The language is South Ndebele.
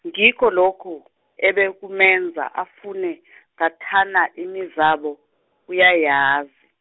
ngikho lokhu , obekumenza afune , ngathana imizabo, uyayazi.